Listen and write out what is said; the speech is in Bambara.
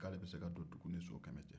k'ale bɛ se ka don dugu ni so kɛmɛ cɛ